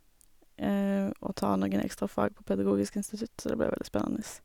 Og ta noen ekstra fag på pedagogisk institutt, så det blir veldig spennende.